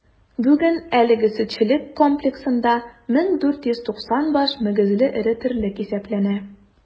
Бүген әлеге сөтчелек комплексында 1490 баш мөгезле эре терлек исәпләнә.